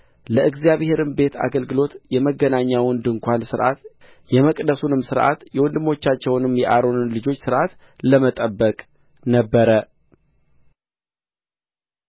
ለእግዚአብሔርም ቤት አገልግሎት የመገናኛውን ድንኳን ሥርዓት የመቅደሱንም ሥርዓት የወንድሞቻቸውንም የአሮንን ልጆች ሥርዓት ለመጠበቅ ነበረ